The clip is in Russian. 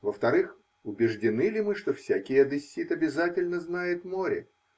Во-вторых -- убеждены ли мы, что всякий одессит обязательно знает море?